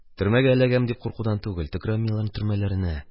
Төрмәгә эләгәм дип куркудан түгел, төкерәм мин аларның төрмәләренә.